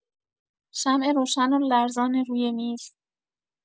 شمع روشن و لرزان روی میز